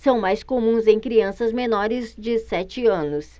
são mais comuns em crianças menores de sete anos